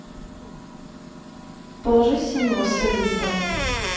положи синего салюта